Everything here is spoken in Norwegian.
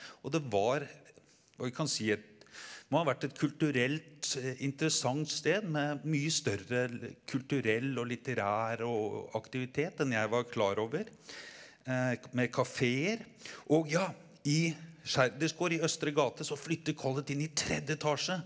og det var vi kan si det må ha vært et kulturelt interessant sted med mye større kulturell og litterær og og aktivitet enn jeg var klar over med kaféer og ja i gård i Østre gate så flytter Collett inn i tredje etasje.